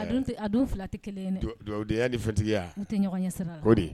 A fila tɛ kelen de yya de fatigiya